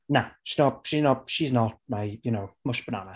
Na she's not she's not she's not my, you know, mush banana.